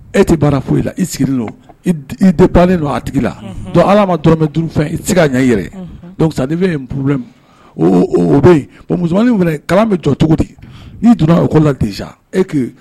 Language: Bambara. E tɛ baara foyi i i sigi i taa don a tigi la ala ma dɔrɔn duuru i se ka ɲɛ yɛrɛ bɛ yen musoman kalan bɛ jɔ cogo di i donna ko laz